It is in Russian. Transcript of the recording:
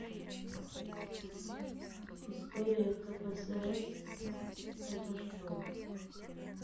история кпсс это что